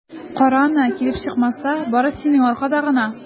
Кара аны, килеп чыкмаса, бары синең аркада гына!